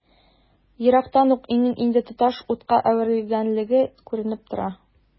Ерактан ук өйнең инде тоташ утка әверелгәнлеге күренеп тора.